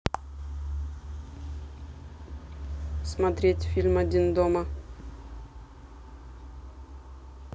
смотреть фильм один дома